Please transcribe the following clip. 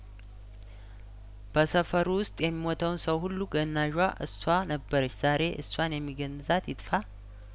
በሰፈሩ ውስጥ የሚሞተውን ሰው ሁሉ ገናዧ እሷ ነበረች ዛሬ እሷን የሚገንዛት ይጥፋ